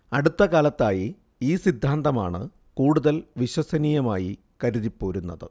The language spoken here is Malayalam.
അടുത്ത കാലത്തായി ഈ സിദ്ധാന്തമാണ് കൂടുതൽ വിശ്വസനീയമായി കരുതിപ്പോരുന്നത്